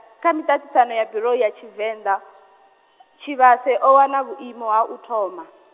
kha miṱaṱisano ya birou ya Tshivenḓa, Tshivhase o wana vhuimo ha uthoma.